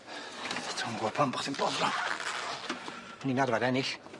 Dwi'm gwbo pam bo' ti'n bothran. O'n i'n afrar ennill